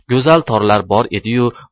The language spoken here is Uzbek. go'zal torlar bor edi yu